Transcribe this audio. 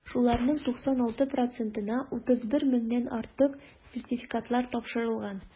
Шуларның 96 процентына (31 меңнән артык) сертификатлар тапшырылган.